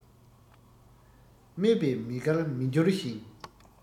སྨད པས མི དགར མི འགྱུར ཞིང